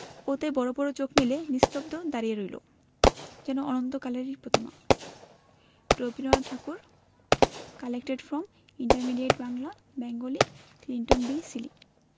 ও তে বড় বড় চোখ মেলে নিস্তব্ধ দাঁড়িয়ে রইল যেন অনন্তকালেরই প্রতিমা Rabindranath Tagore collected from intermediate Bangla Bengali Clinton B Seely